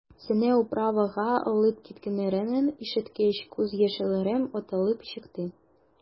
Сине «управа»га алып киткәннәрен ишеткәч, күз яшьләрем атылып чыкты.